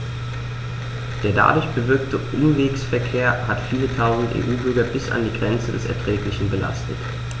Der dadurch bewirkte Umwegsverkehr hat viele Tausend EU-Bürger bis an die Grenze des Erträglichen belastet.